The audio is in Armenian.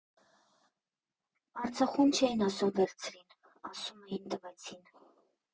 Արցախում չէին ասում «վերցրին», ասում էին «տվեցին»։